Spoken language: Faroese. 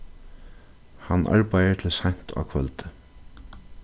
hann arbeiðir til seint á kvøldi